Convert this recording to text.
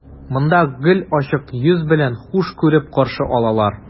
Монда гел ачык йөз белән, хуш күреп каршы алалар.